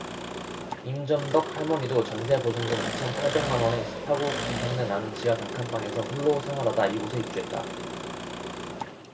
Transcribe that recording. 임점덕 할머니도 전세 보증금 이천 팔백 만원의 습하고 곰팡내 나는 지하 단칸방에서 홀로 생활하다 이곳에 입주했다